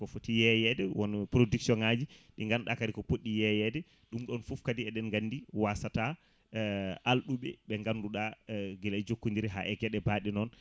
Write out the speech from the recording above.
ko foti yeyede won production ngaji ɗi ganduɗa kadi ko podɗi yeyede ɗum ɗon foof kadi eɗen gandi wasata alɗuɓe ɓe ganduɗa guilay jokkodire ha e gueɗe baɗe noon